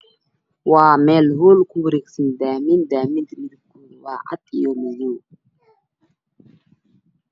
Waa meel hool ku wareegsan daamin daaminta midabkoodu waa cad iyo madow